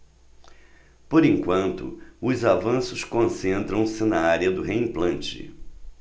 por enquanto os avanços concentram-se na área do reimplante